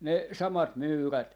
ne samat myyrät